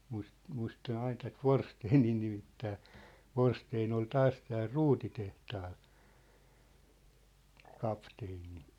- muistan aina tätä Forsténia nimittää Forstén oli taas täällä ruutitehtaalla kapteeni